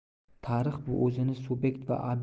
tarix bu o'zini sub'ekt va